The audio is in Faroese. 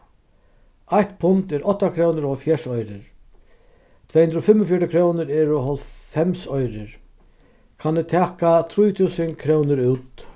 eitt pund er átta krónur og hálvfjerðs oyrur tvey hundrað og fimmogfjøruti krónur eru hálvfems oyrur kann eg taka trý túsund krónur út